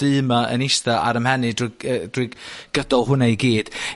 du 'ma yn ista ar 'ym mhen i drw- g- yy drwy gydol hwnna i gyd.